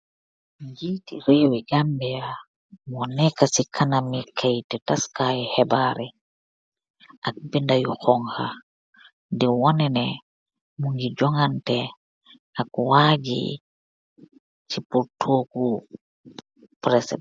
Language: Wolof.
Njiiti réewi Gambia, moo nekk ci kanami kayti taskaay xebaare ak binda yu xoñxa di wone ne mu ngi jongante ak waaji ci pur toogu pres...